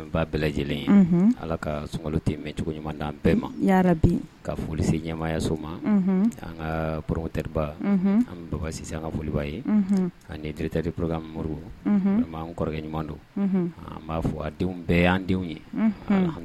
Bɛɛ lajɛlen ala suncogo ɲuman bɛɛ ma ka foli se ɲɛmayasoma an ka poro teriba an bɛ bakarijansi an ka foliba ye anite porokan mori b'an kɔrɔkɛ ɲuman don an b'a fɔ a denw bɛɛ'an denw ye